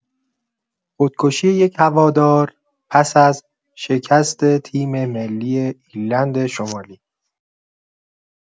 خودکشی یک هوادار پس‌از شکست تیم‌ملی ایرلند شمالی